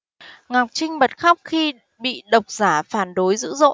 ngọc trinh bật khóc khi bị độc giả phản đối dữ dội